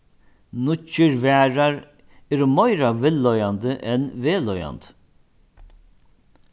nýggir varðar eru meira villleiðandi enn vegleiðandi